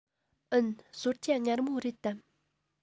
འུན གསོལ ཇ མངར མོ རེད དམ